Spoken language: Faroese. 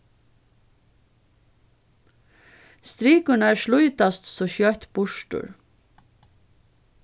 strikurnar slítast so skjótt burtur